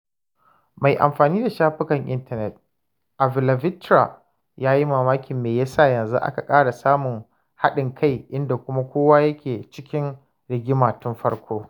Mai amfani da shafukan intanet, Avylavitra ya yi mamakin me ya sa yanzu aka ƙara samun haɗin-kai, inda kuma kowa yake cikin rigimar tun farko (mg)?.